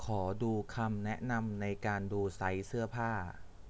ขอดูคำแนะนำในการดูไซส์เสื้อผ้า